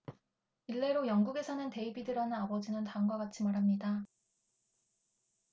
일례로 영국에 사는 데이비드라는 아버지는 다음과 같이 말합니다